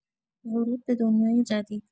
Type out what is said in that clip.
ورود به دنیای جدید